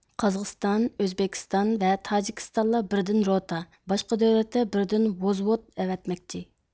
قازاقىستان ئۆزبېكىستان ۋە تاجىكىستانلار بىردىن روتا باشقا دۆلەتلەر بىردىن ۋوزۋوت ئەۋەتمەكچى